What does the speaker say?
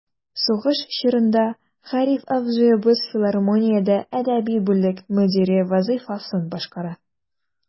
Сугыш чорында Гариф абзыебыз филармониядә әдәби бүлек мөдире вазыйфасын башкара.